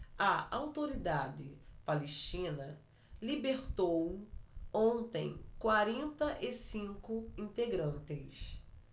a autoridade palestina libertou ontem quarenta e cinco integrantes